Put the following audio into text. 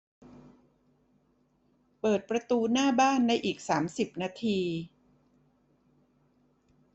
เปิดประตูหน้าบ้านในอีกสามสิบนาที